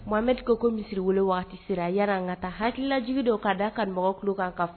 Muhamɛdi ko ko misiri wele waati se la yala an ka taa